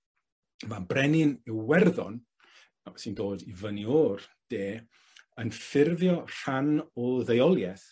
ma' brenin Iwerddon, ac sy'n dod i fyny o'r de yn ffurfio rhan o ddeuolieth